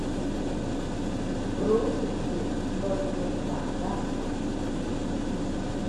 รู้สึกเจ็บบริเวณปากด้านบน